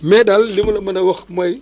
mais daal li ma la mën a wax mooy